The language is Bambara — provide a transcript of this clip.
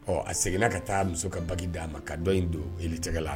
Ɔ a seginna ka taa muso ka bague d'a ma ka dɔ in don Eli tɛgɛ la